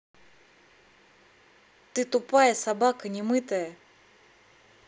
ты тупая собака не мытая